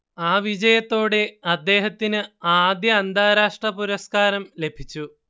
ആ വിജയത്തോടെ അദ്ദേഹത്തിന് ആദ്യ അന്താരാഷ്ട്ര പുരസ്കാരം ലഭിച്ചു